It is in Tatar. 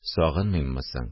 – сагынмыйммы соң